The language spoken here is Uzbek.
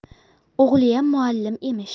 o'g'liyam muallim emish